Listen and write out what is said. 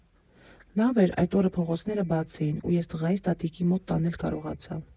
Լավ էր՝ այդ օրը փողոցները բաց էին, ու ես տղայիս տատիկի մոտ տանել կարողացա։